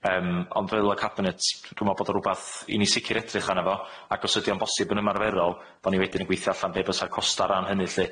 yym ond fel y cabinet dwi me'wl bod o rwbath i ni sicir edrych arny fo ac os ydi o'n bosib yn ymarferol bo ni wedyn yn gweithio allan be' bysa'r costa ran hynny lly.